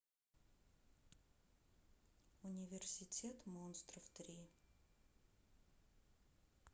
университет монстров три